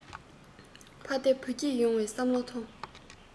ཕ བདེ བུ སྐྱིད ཡོང བའི བསམ བློ ཐོང